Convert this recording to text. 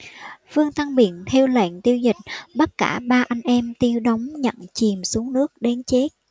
vương tăng biện theo lệnh tiêu dịch bắt cả ba anh em tiêu đống nhận chìm xuống nước đến chết